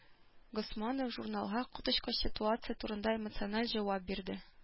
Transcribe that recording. Госманов журналга коточкыч ситуация турында эмоциональ җавап бирде.